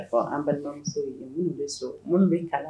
Ɔ an balimamuso minnu bɛ sɔn minnu bɛ kalan